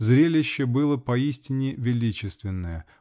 Зрелище было поистине величественное!